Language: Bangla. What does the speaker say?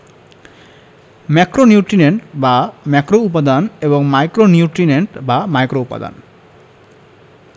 ম্যাক্রোনিউট্রিয়েন্ট বা ম্যাক্রোউপাদান এবং মাইক্রোনিউট্রিয়েন্ট বা মাইক্রোউপাদান